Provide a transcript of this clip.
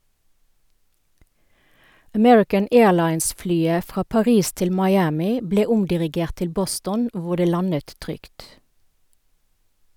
American Airlines-flyet fra Paris til Miami ble omdirigert til Boston hvor det landet trygt.